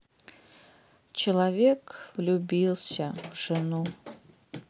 человек влюбился в жену